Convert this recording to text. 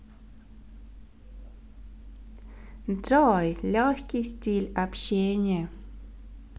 джой легкий стиль общения